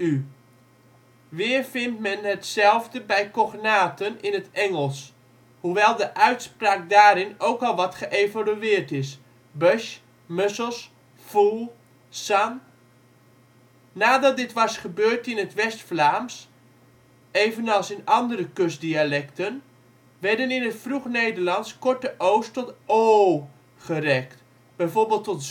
u. Weer vindt men hetzelfde bij cognaten in het Engels (hoewel de uitspraak daarin ook al wat geëvolueerd is): bush, mussels, full, sun. Nadat dit was gebeurd in het West-Vlaams (evenals in andere kustdialecten), werden in het Vroeg-Nederlands korte o 's tot oo gerekt, bijvoorbeeld tot